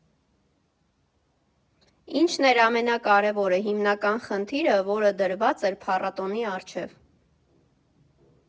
Ինչն էր ամենակարևորը, հիմնական խնդիրը, որը դրված էր փառատոնի առջև։